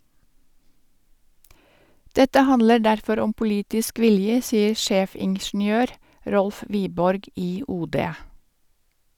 Dette handler derfor om politisk vilje, sier sjefingeniør Rolf Wiborg i OD.